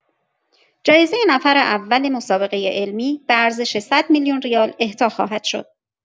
جایزه نفر اول مسابقه علمی به ارزش صد میلیون‌ریال اهدا خواهد شد.